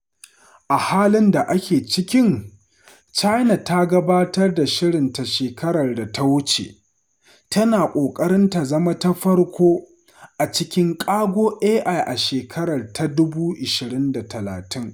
A halin da ake cikin, China ta gabatar da shirinta shekarar da ta wuce: tana ƙoƙarin ta zama ta farko a cikin ƙago AI a shekara ta 2030.